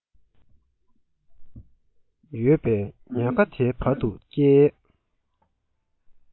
ཡོད པའི ཉག ཁ དེ བར དུ སྐྱེལ